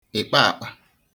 ịkpakpà